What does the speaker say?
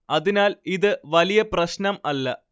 അതിനാൽ ഇത് വലിയ പ്രശ്നം അല്ല